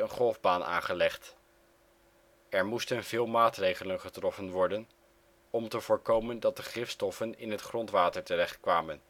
golfbaan aangelegd. Er moesten veel maatregelen getroffen worden om te voorkomen dat de gifstoffen in het grondwater terecht kwamen